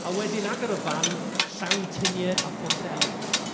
A wedyn agor y fan llawn tiniau a photeli timod.